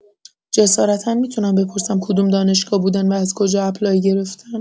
جسارتا می‌تونم بپرسم کدوم دانشگاه بودن و از کجا اپلای گرفتن؟